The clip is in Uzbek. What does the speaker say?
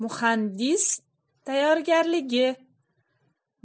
muhandislik tayyorgarligi